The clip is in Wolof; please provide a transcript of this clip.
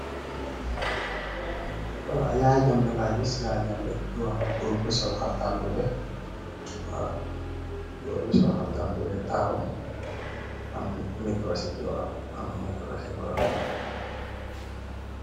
Yaaya Jamé laa gis, Yaaya Jamé, goor bu sol xaftaan bu weex. Waaw, goor sol xaftaan bu weex taxaw, am mikoro si bóoram, waaw.